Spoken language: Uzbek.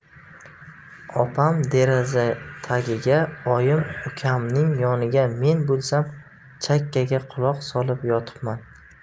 opam deraza tagiga oyim ukamning yoniga men bo'lsam chakkaga quloq solib yotibman